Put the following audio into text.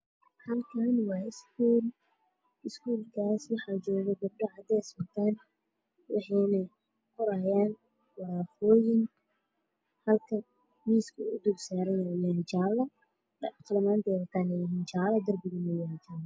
Kani waa iskuul waxaa joogo gabdho dhar cadeys ah wataan waxayna qorahayaan waraaqooyin, miisku waa jaale qalimaantuna waa jaale.